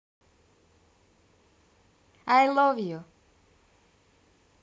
i love you